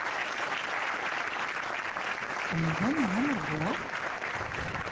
у меня меня марго